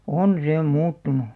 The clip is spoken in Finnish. on se muuttunut